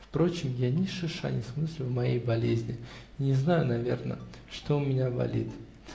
Впрочем, я ни шиша не смыслю в моей болезни и не знаю наверно, что у меня болит.